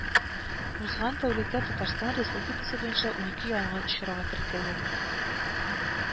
Узган тәүлектә Татарстан Республикасы буенча унике янгын очрагы теркәлгән